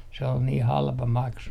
se oli niin halpa maksu